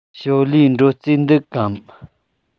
ཞའོ ལིའི འགྲོ རྩིས འདུག གམ